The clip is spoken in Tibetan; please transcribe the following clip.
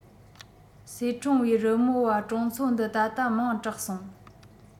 གསེས ཀྲོང པའི རི མོ བ གྲོང ཚོ འདི ད ལྟ མིང གྲགས སོང